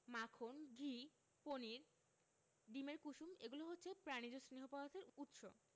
মাখন ঘি পনির ডিমের কুসুম এগুলো হচ্ছে প্রাণিজ স্নেহ পদার্থের উৎস